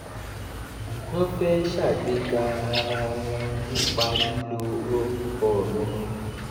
"Wọn fẹ́ ṣàgbéga ara wọn ni nípa lílo orúkọ mi.